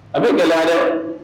A bɛ gɛlɛya dɛ